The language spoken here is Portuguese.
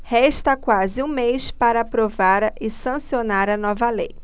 resta quase um mês para aprovar e sancionar a nova lei